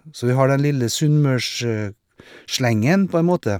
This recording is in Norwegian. Så vi har den lille sunnmørsslangen, på en måte.